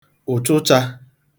ụ̀chụchā